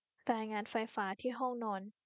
รายงานไฟฟ้าที่ห้องนอน